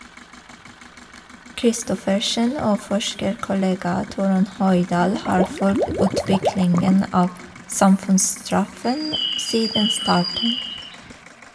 Kristoffersen og forskerkollega Torunn Højdahl har fulgt utviklingen av samfunnsstraffen siden starten.